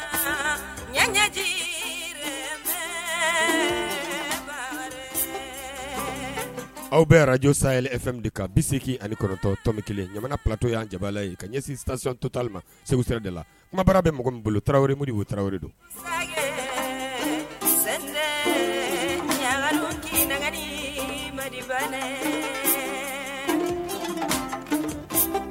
Ji ba aw bɛ araj sa ye e de bɛ se ani kɔrɔtɔto kelen ɲamana p patɔ y'an jala ye ka ɲɛsin to tanli ma segu sira la kumabara bɛ mɔgɔ n bolo tarawelem tarawele don ma le